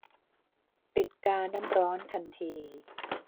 ปิดกาน้ำร้อนทันที